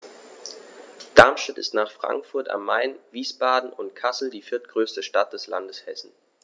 Darmstadt ist nach Frankfurt am Main, Wiesbaden und Kassel die viertgrößte Stadt des Landes Hessen